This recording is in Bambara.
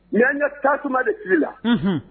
N' ɲɛ tasuma de siri lahun